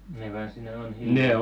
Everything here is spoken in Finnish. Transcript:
ne vain siinä on hiljaa